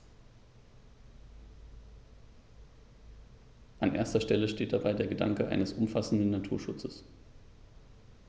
An erster Stelle steht dabei der Gedanke eines umfassenden Naturschutzes.